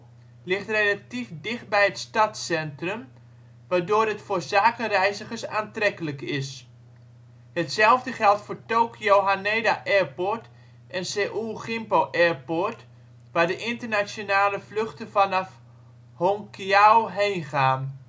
dicht bij het stadscentrum, waardoor het voor zakenreizigers aantrekkelijk is. Hetzelfde geldt voor Tokyo Haneda Airport en Seoul Gimpo Airport, waar de internationale vluchten vanaf Hongqiao heen gaan